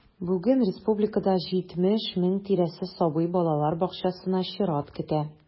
Бүген республикада 70 мең тирәсе сабый балалар бакчасына чират көтә.